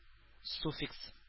Суффикс